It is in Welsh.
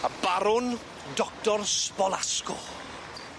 Y Barwn Doctor Spolasco.